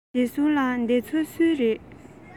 ཞའོ སུང ལགས འདི ཚོ སུའི རེད